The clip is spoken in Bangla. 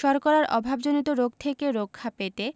শর্করার অভাবজনিত রোগ থেকে রক্ষা পেতে